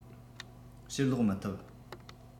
ཕྱིར ལོག མི ཐུབ